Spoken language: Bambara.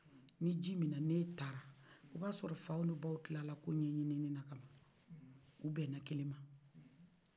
ni ji mina n'e tara o ba sɔrɔ fa ni baw kilala kow ɲɛɲinina ka ban o bɛna kelen man